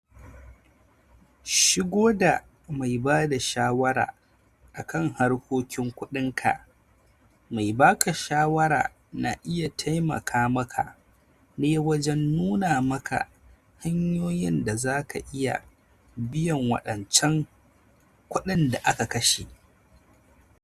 Shigo da mai bada shawara akan harkokin kudin ka: Mai baka shawara na iya taimaka maka ne wajen nuna maka hanyoyin da zaka iya biyan wadancan kudin da aka kashe.